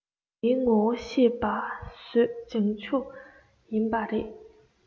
དེའི ངོ བོ ཤེས པ གཟོད བྱང ཆུབ ཡིན པ རེད